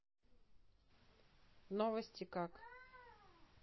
новости как